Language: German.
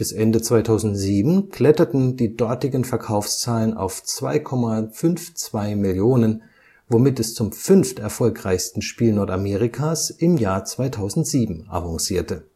Ende 2007 kletterten die dortigen Verkaufszahlen auf 2,52 Millionen, womit es zum fünfterfolgreichsten Spiel Nordamerikas im Jahr 2007 avancierte